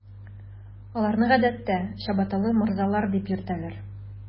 Аларны, гадәттә, “чабаталы морзалар” дип йөртәләр.